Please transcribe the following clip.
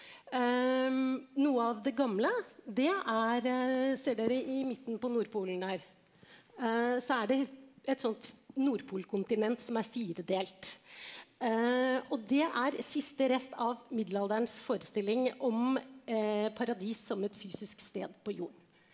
noe av det gamle det er ser dere i midten på Nordpolen der så er det et sånt Nordpolkontinent som er firedelt, og det er siste rest av middelalderens forestilling om paradis som et fysisk sted på jorden.